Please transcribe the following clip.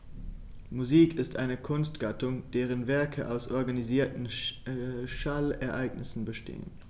Musik ist eine Kunstgattung, deren Werke aus organisierten Schallereignissen bestehen.